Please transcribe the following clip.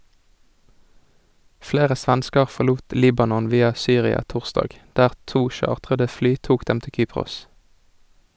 Flere svensker forlot Libanon via Syria torsdag, der to chartrede fly tok dem til Kypros.